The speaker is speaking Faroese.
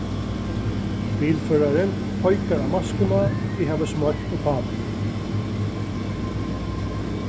bilførarin peikar á maskuna eg havi smoygt uppá meg